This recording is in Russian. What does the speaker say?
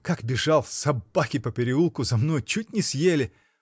Как бежал — собаки по переулку за мной, чуть не съели.